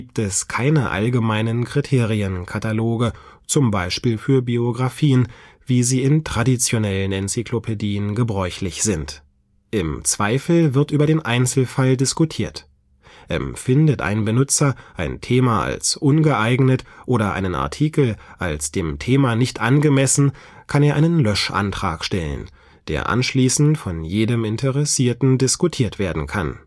es keine allgemeinen Kriterienkataloge (z.B. für Biographien), wie sie in traditionellen Enzyklopädien gebräuchlich sind. Im Zweifel wird über den Einzelfall diskutiert. Empfindet ein Benutzer ein Thema als ungeeignet oder einen Artikel als dem Thema nicht angemessen, kann er einen Löschantrag stellen, der anschließend von jedem Interessierten diskutiert werden kann